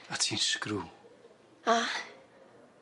A ti'n sgrŵ. A?